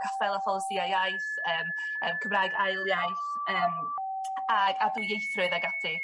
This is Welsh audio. caffael a philisia iaith yym yym Cymraeg ail iaith yym ag a dwyieithrwydd ac ati.